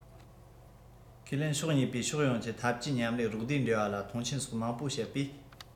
ཁས ལེན ཕྱོགས གཉིས པོས ཕྱོགས ཡོངས ཀྱི འཐབ ཇུས མཉམ ལས རོགས ཟླའི འབྲེལ བ ལ མཐོང ཆེན སོགས མང པོ བཤད པས